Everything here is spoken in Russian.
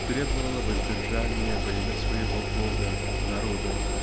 требовала воздержания во имя своего бога--народа